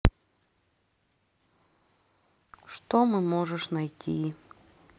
что мы можешь найти